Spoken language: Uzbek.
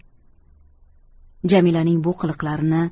jamilaning bu qiliqlarini